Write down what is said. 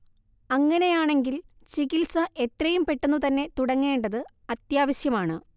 അങ്ങനെയാണെങ്കിൽ ചികിത്സ എത്രയും പെട്ടെന്നു തന്നെ തുടങ്ങേണ്ടത് അത്യാവശ്യമാണ്